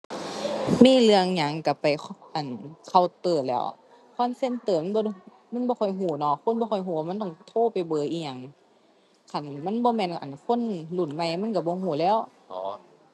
มีเรื่องหยังก็ไป เคา อั่น เคาน์เตอร์แหล้ว call center มันบ่ มันบ่ค่อยก็เนาะ คนบ่ค่อยก็ว่ามันต้องโทรไปเบอร์อิหยัง คันมันบ่แม่น อั่น คนรุ่นใหม่ มันก็บ่ก็แหล้ว อ๋อ